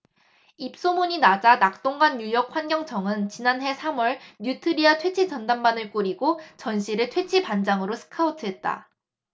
입소문이 나자 낙동강유역환경청은 지난해 삼 월 뉴트리아 퇴치전담반을 꾸리고 전씨를 퇴치반장으로 스카우트했다